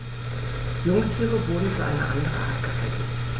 Jungtiere wurden für eine andere Art gehalten.